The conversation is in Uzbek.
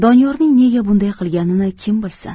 doniyorning nega bunday qilganini kim bilsin